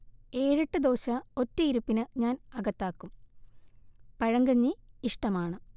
ഏഴെട്ട് ദോശ ഒറ്റയിരുപ്പിനു ഞാൻ അകത്താക്കും, പഴങ്കഞ്ഞി ഇഷ്ടമാണ്